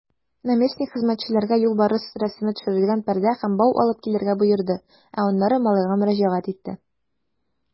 Наместник хезмәтчеләргә юлбарыс рәсеме төшерелгән пәрдә һәм бау алып килергә боерды, ә аннары малайга мөрәҗәгать итте.